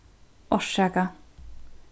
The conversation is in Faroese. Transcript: orsaka